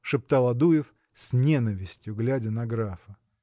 – шептал Адуев, с ненавистью глядя на графа.